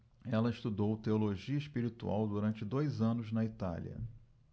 ela estudou teologia espiritual durante dois anos na itália